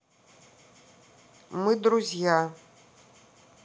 мы друзья